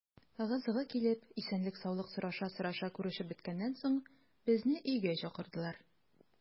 Ыгы-зыгы килеп, исәнлек-саулык сораша-сораша күрешеп беткәннән соң, безне өйгә чакырдылар.